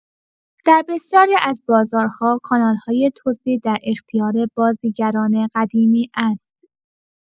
در بسیاری از بازارها، کانال‌های توزیع در اختیار بازیگران قدیمی است.